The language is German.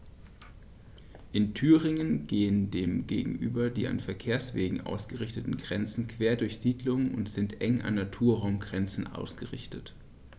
In Thüringen gehen dem gegenüber die an Verkehrswegen ausgerichteten Grenzen quer durch Siedlungen und sind eng an Naturraumgrenzen ausgerichtet.